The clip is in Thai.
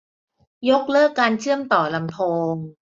ยกเลิกการเชื่อมต่อลำโพง